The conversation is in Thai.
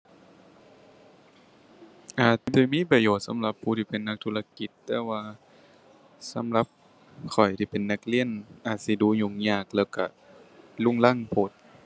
อาจสิมีประโยชน์สำหรับผู้ที่เป็นนักธุรกิจ แต่ว่าสำหรับข้อยที่เป็นนักเรียนอาจสิดูยุ่งยากแล้วก็รุงรังโพด